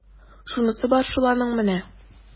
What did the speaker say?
Шунысы бар шул аның менә! ..